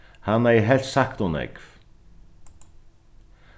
hann hevði helst sagt ov nógv